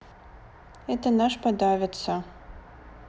это наш подавится